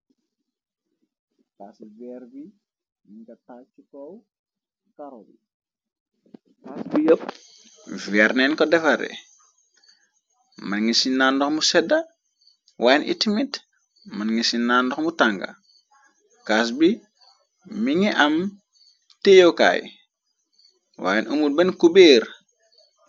Cas ver bi nga taci kow carobi caas bi yópp veernen ko devare mën ngi ci na ndox mu sedda waayen itmit mën ngi ci na ndox mu tanga cas bi mi ngi am teyokaay waayeen ëmur ben cubeer.